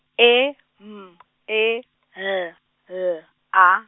E M E L L A.